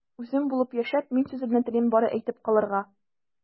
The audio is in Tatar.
Үзем булып яшәп, мин сүземне телим бары әйтеп калырга...